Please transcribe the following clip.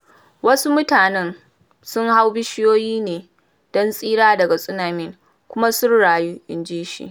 Wasu mutanen sun hau bishiyoyi ne don tsira daga tsunami kuma sun rayu, inji shi.